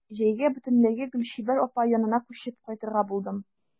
Җәйгә бөтенләйгә Гөлчибәр апа янына күчеп кайтырга булдым.